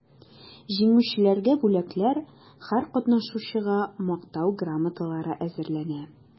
Җиңүчеләргә бүләкләр, һәр катнашучыга мактау грамоталары әзерләнә.